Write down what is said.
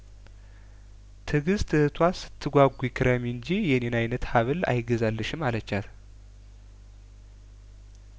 ትግስት እህቷን ስትጓጉ ክረሚ እንጂ የኔን አይነት ሀብል አይገዛልሽም አለቻት